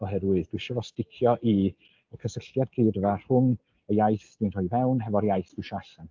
Oherwydd dwi isio fo sticio i y cysylltiad geirfa rhwng y iaith dwi'n rhoi fewn hefo'r iaith dwi isio allan.